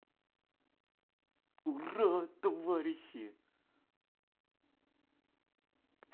ура товарищи